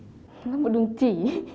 một đường chỉ ý